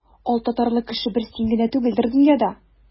Алтатарлы кеше бер син генә түгелдер дөньяда.